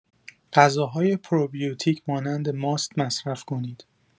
غذاهای پروبیوتیک مانند ماست مصرف کنید.